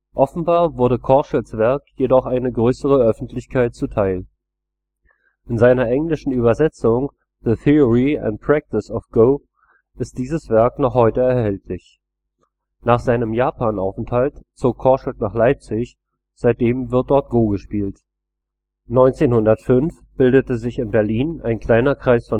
Offenbar wurde Korschelts Werk jedoch eine größere Öffentlichkeit zuteil. In seiner englischen Übersetzung The Theory and Practice of Go ist dieses Werk noch heute erhältlich. Nach seinem Japanaufenthalt zog Korschelt nach Leipzig, seitdem wird dort Go gespielt. 1905 bildete sich in Berlin ein kleiner Kreis